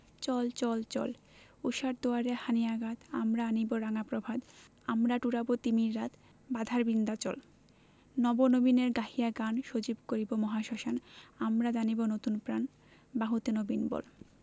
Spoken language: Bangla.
চল চল চল ঊষার দুয়ারে হানি' আঘাত আমরা আনিব রাঙা প্রভাত আমরা টুটাব তিমির রাত বাধার বিন্ধ্যাচল নব নবীনের গাহিয়া গান সজীব করিব মহাশ্মশান আমরা দানিব নতুন প্রাণ বাহুতে নবীন বল